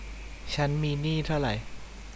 ฉันมีหนี้เท่าไหร่